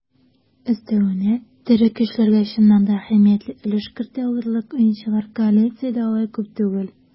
Өстәвенә, тере көчләргә чыннан да әһәмиятле өлеш кертә алырлык уенчылар коалициядә алай күп түгел.